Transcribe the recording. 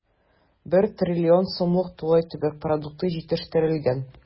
1 трлн сумлык тулай төбәк продукты җитештерелгән.